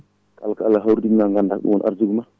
kala ko Allah hawridinma ganda ko ɗum arsugue ma